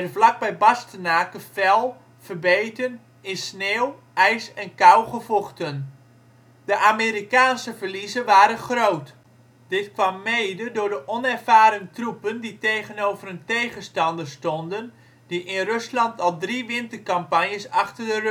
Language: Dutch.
vlak bij Bastenaken fel, verbeten, in sneeuw, ijs en kou gevochten. De Amerikaanse verliezen waren groot. Dit kwam mede door de onervaren troepen die tegenover een tegenstander stond, die in Rusland al drie wintercampagnes achter